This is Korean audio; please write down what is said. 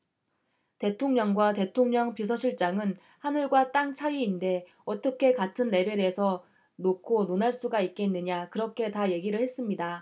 대통령과 대통령 비서실장은 하늘과 땅 차이인데 어떻게 같은 레벨에서 놓고 논할 수가 있겠느냐 그렇게 다 얘기를 했습니다